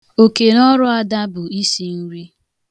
Okenọọrụ Ada bụ isi nri.